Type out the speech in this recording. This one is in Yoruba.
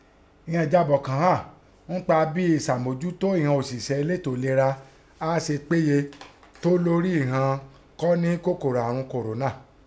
Ìghọn ìjabọ̀ kàn hà ńpa bí ẹ̀ṣàmójútó ighọn ọ̀ṣìṣẹ́ elétò ìlera á se péye tó lórí ighọn kọ́ nẹ́ kòkòrò àrùn Kòrónà.